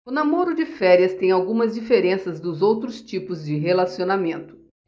o namoro de férias tem algumas diferenças dos outros tipos de relacionamento